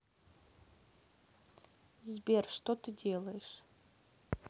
сбер что ты делаешь